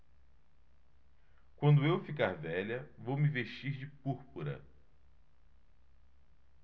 quando eu ficar velha vou me vestir de púrpura